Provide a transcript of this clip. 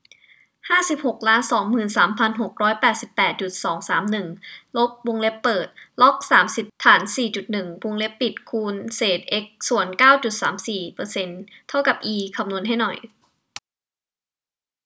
ห้าสิบหกล้านสองหมื่นสามพันหกร้อยแปดสิบแปดจุดสองสามหนึ่งลบวงเล็บเปิดล็อกสามสิบฐานสี่จุดหนึ่งวงเล็บปิดคูณเศษเอ็กซ์ส่วนเก้าจุดสามสี่เปอร์เซ็นต์เท่ากับอีคำนวณให้หน่อย